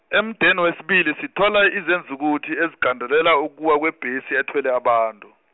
emudeni wesibili sithola izenzukuthi ezigandelela ukuwa kwebhesi ethwele abantu.